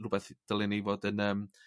rwbeth dylien ni fod yn yym